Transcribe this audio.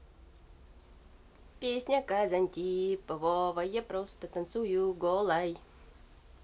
песня казантип вова я просто танцую голой